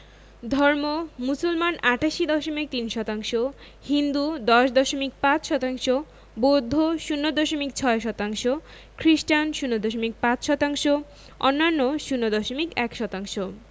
ধর্ম মুসলমান ৮৮দশমিক ৩ শতাংশ হিন্দু ১০দশমিক ৫ শতাংশ বৌদ্ধ ০ দশমিক ৬ শতাংশ খ্রিস্টান ০দশমিক ৫ শতাংশ অন্যান্য ০দশমিক ১ শতাংশ